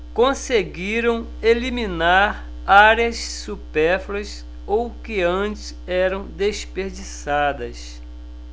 conseguiram eliminar áreas supérfluas ou que antes eram desperdiçadas